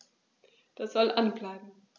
Das soll an bleiben.